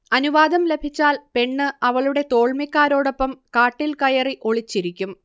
അനുവാദം ലഭിച്ചാൽ പെണ്ണ് അവളുടെ തോൾമിക്കാരോടൊപ്പം കാട്ടിൽകയറി ഒളിച്ചിരിക്കും